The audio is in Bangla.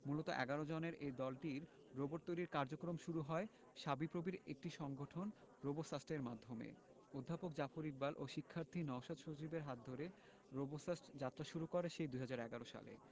মূলত ১১ জনের এই দলটির রোবট তৈরির কার্যক্রম শুরু হয় শাবিপ্রবির একটি সংগঠন রোবোসাস্টের মাধ্যমে অধ্যাপক জাফর ইকবাল ও শিক্ষার্থী নওশাদ সজীবের হাত ধরে রোবোসাস্ট যাত্রা শুরু করে সেই২০১১ সালে